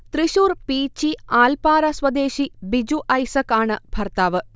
തൃശൂർ പീച്ചി ആൽപ്പാറ സ്വദേശി ബിജു ഐസക് ആണ് ഭർത്താവ്